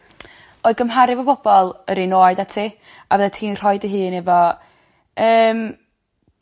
O'i gymharu efo bobol yr un oed â ti a fyddet ti'n rhoi dy hun efo yym.